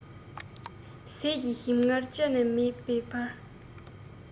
ཟས ཀྱི ཞིམ མངར ལྕེ ནས མིད པའི བར